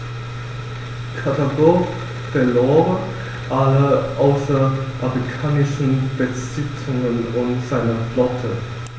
Karthago verlor alle außerafrikanischen Besitzungen und seine Flotte.